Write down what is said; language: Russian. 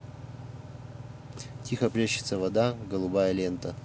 тихо плещется вода голубая лента